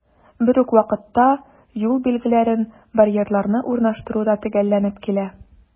Бер үк вакытта, юл билгеләрен, барьерларны урнаштыру да төгәлләнеп килә.